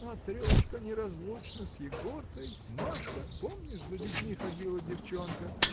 — Матрешка неразлучна с Егоркой, Машка — помнишь, за детьми ходила девчонка?